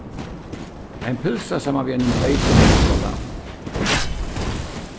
ein pylsa saman við einum bleytum langbolla